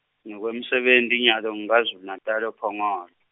Ngekwemsebenti nyalo ngiKazulu Natal ePhongolo.